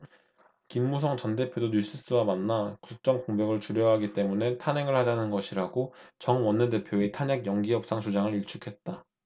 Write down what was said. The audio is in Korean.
김무성 전 대표도 뉴시스와 만나 국정 공백을 줄여야 하기 때문에 탄핵을 하자는 것이라고 정 원내대표의 탄핵 연기협상 주장을 일축했다